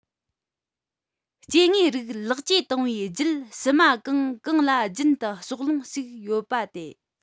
སྐྱེ དངོས རིགས ལེགས བཅོས བཏང བའི རྒྱུད ཕྱི མ གང དང གང ལ རྒྱུན དུ ཕྱོགས ལྷུང ཞིག ཡོད པ སྟེ